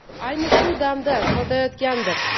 ayni shu damda sotayotgandir